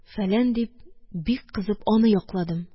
Фәлән, – дип, бик кызып аны якладым.